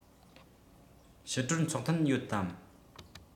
ཕྱི དྲོར ཚོགས ཐུན ཡོད དམ